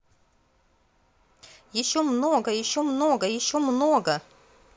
еще много еще много еще много